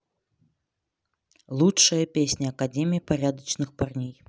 лучшая песня академия порядочных парней